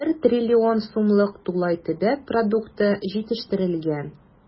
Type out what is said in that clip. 1 трлн сумлык тулай төбәк продукты җитештерелгән.